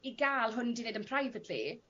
i ga'l hwn 'di neud yn privately